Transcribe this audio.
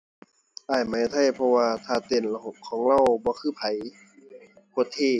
อ้ายไหมไทย เพราะว่าท่าเต้นเลา ของเลาบ่คือไผ โคตรเท่